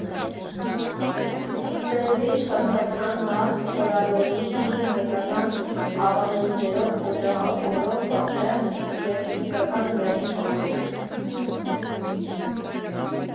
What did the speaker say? Սենդվիչ՝ խրթխրթան հաց, չորալոլիկ, հին հայկական ավանդույթներով օջախախորով պղպեղ և իսկական լոռի պանիր։